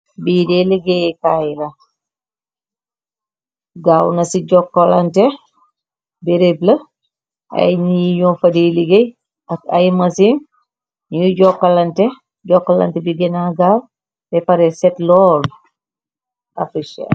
Bi de liggéeyi kaay la, gaw na ci jokkolante , bi reble ay nit nyu fa di liggéey ak ay masim ñuy jokkalante, jokkalante bi gina gaw, be pare set loolu africell.